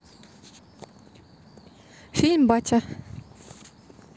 фильм батя